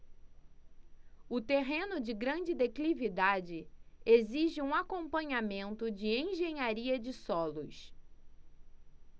o terreno de grande declividade exige um acompanhamento de engenharia de solos